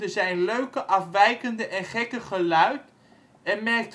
zijn " leuke, afwijkende en gekke geluid " en